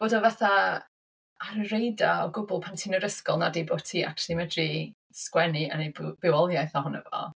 fod o fatha ar y radar o gwbl pan ti'n yr ysgol nadi bo' ti actually yn medru sgwennu a wneud bywoliaeth ohono fo.